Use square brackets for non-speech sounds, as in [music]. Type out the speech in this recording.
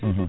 [hesitation] [hesitation]